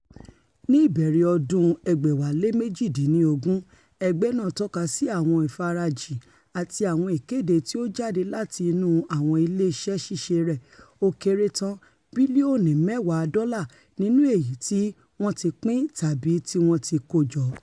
Ní ìbẹ̀rẹ̀ ọdún 2018, ẹgbẹ́ náà tọ́kasí àwọn ìfarajin àti àwọn ìkéde tí ó jáde láti inu àwọn iṣẹ́ ṣíṣe rẹ̀, ó kéré tán bílíọ̀nù mẹ́wàá dọ́là nínú èyití wọ́n ti pín tàbí tíwọn ti kójọ.